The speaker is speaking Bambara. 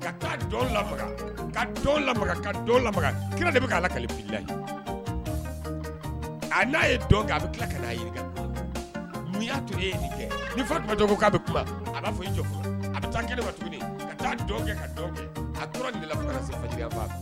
A'a dɔn ya tun ni tun ko k'a bɛ a'a fɔ jɔ a bɛ taa tuguni ka taa kɛ kɛ